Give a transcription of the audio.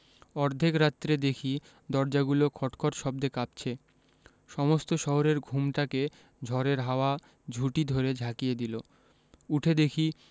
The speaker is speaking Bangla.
অর্ধেক রাত্রে দেখি দরজাগুলো খটখট শব্দে কাঁপছে সমস্ত শহরের ঘুমটাকে ঝড়ের হাওয়া ঝুঁটি ধরে ঝাঁকিয়ে দিলো উঠে দেখি